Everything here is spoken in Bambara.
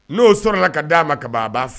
N'o sɔrɔla ka d dia ma ka ban a b'a fɔ